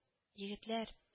— егетләр